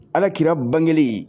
Ala kɛra bangelen